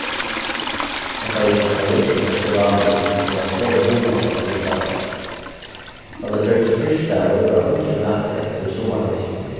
hetta var ikki nakar villur festivalur men tað var sera hugnaligt allíkavæl tá tað gjørdist týsdagur var eingin matur eftir í summarhúsinum